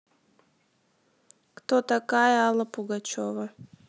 кто такая алла пугачева